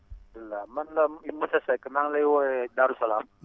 alhamdulilah man la monsieur Seck maa ngi lay woowee Daarou salaam